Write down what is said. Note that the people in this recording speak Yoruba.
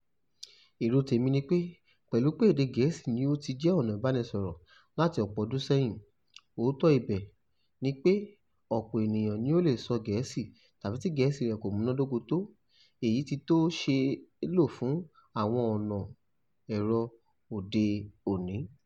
Èro tèmí ni pé pẹ́lú pé èdè Gẹ̀ẹ́sì ni ó ti jẹ́ ọ̀nà ìbánisọ̀rọ̀ láti ọ̀pọ̀ ọdún sẹ́yìn, òótọ́ ibẹ̀ ni pé ọ̀pọ̀ eèyàn ni ò lè sọ Gẹ̀ẹ́sì tàbí tí Gẹ̀ẹ́sì rẹ̀ kó múnàdóko tó èyí tí tó ṣéè ló fún àwọn ọ̀nà ẹ̀rọ òde òní.